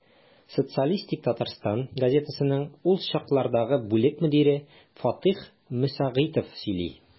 «социалистик татарстан» газетасының ул чаклардагы бүлек мөдире фатыйх мөсәгыйтов сөйли.